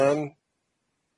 Yym